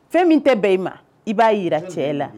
Fɛn min tɛ bɛn i ma i b'a jira cɛ la